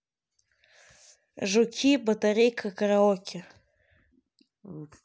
жуки батарейка караоке